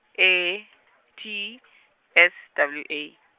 E T S W A.